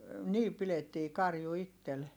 niin pidettiin karju itse